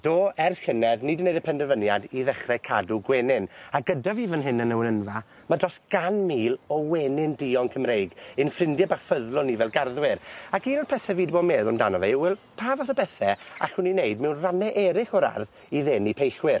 Do, ers Llynedd, ni di neud y penderfyniad i ddechre cadw gwenyn, a gyda fi fan hyn yn y wenynfa, ma' dros gan mil o wenyn duon Cymreig, ein ffrindie bach ffyddlon ni fel garddwyr, ac un o'r pethe fi di bod yn meddwl amdano fe yw, wel, pa fath o bethe allwn ni neud mewn rannau eryll o'r ardd i ddenu peillwyr?